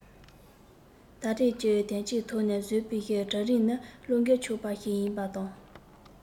ད རེས ཀྱི དོན རྐྱེན ཐོག ནས བཟོ པའི གྲལ རིམ ནི བློས འགེལ ཆོག པ ཞིག ཡིན པ དང